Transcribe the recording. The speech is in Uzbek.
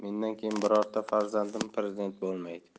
mendan keyin birorta farzandim prezident bo'lmaydi